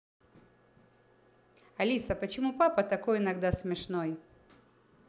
алиса почему папа такой иногда смешной